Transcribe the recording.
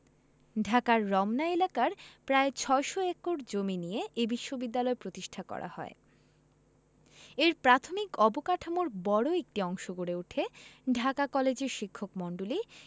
ঢাকার রমনা এলাকার প্রায় ৬০০ একর জমি নিয়ে এ বিশ্ববিদ্যালয় প্রতিষ্ঠা করা হয় এর প্রাথমিক অবকাঠামোর বড় একটি অংশ গড়ে উঠে ঢাকা কলেজের শিক্ষকমন্ডলী